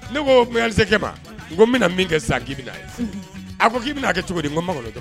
Ne'se ma ko n bɛna min kɛ san k'i bɛna na ye a ko k'i bɛna kɛ cogo ko ma kɔnɔ